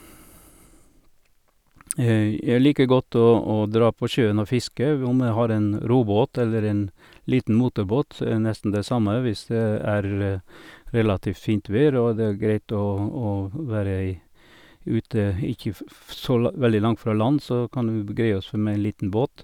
Jeg liker godt å å dra på sjøen og fiske, om jeg har en robåt eller en liten motorbåt, så er det nesten det samme hvis det er relativt fint vær, og det er greit å å være i ute, ikke f f så la veldig langt fra land, så kan du greie oss med en liten båt.